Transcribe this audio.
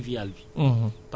foog nga assurer ba pare